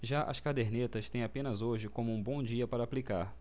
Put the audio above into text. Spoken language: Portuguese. já as cadernetas têm apenas hoje como um bom dia para aplicar